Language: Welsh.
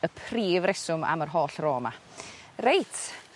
y prif reswm am yr holl ro 'ma. Reit